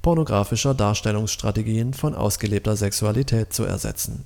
pornografischer Darstellungsstrategien von ausgelebter Sexualität zu ersetzen.